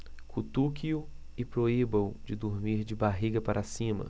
cutuque-o e proíba-o de dormir de barriga para cima